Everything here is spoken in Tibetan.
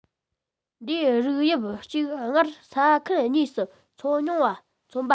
འདིས རིགས དབྱིབས གཅིག སྔར ས ཁུལ གཉིས སུ འཚོ མྱོང བ མཚོན པ དང